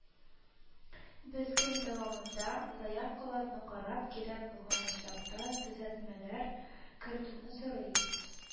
“без көн дәвамында заявкаларны карап, кирәк булган очракта, төзәтмәләр кертүне сорыйбыз